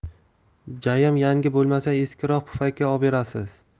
jayam yangi bo'lmasa eskiroq pufayka oberarsiz